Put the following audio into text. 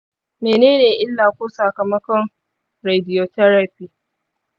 menene illa ko sakamakon radiotherapy?